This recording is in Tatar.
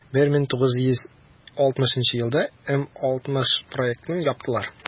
1960 елда м-60 проектын яптылар.